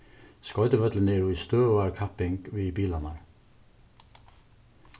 skoytuvøllurin er í støðugari kapping við bilarnar